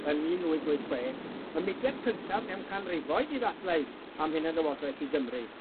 yn un wyth wyth chwech, y mudiad cyntaf mewn canrifoedd i ddadlau am hunanlywodraeth i Gymru,